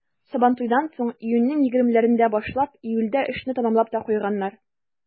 Сабантуйдан соң, июньнең егермеләрендә башлап, июльдә эшне тәмамлап та куйганнар.